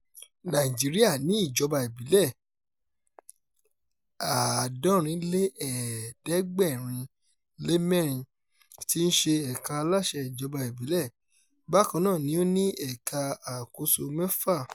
Nàìjíríà ní ìjọba ìbílẹ̀ 774, tí í ṣe ẹ̀ka aláṣẹ ìjọba ìbílẹ̀. Bákan náà ni ó ní ẹ̀ka àkóso mẹ́fàá.